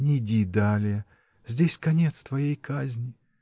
Нейди далее; здесь конец твоей казни!